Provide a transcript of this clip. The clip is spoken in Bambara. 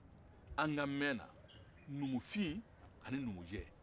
an ka mɛn na numufin ani numujɛ